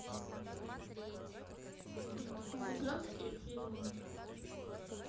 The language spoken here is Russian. цыганские фильмы